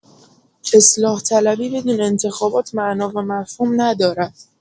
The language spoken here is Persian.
اصلاح‌طلبی بدون انتخابات معنا و مفهوم ندارد